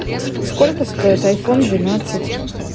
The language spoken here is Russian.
сколько стоит айфон двенадцать